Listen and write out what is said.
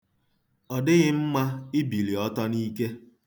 Ọ dịghị mma ibili ọtọ n'ike.